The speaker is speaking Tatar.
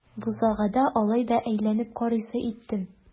Бусагада алай да әйләнеп карыйсы иттем.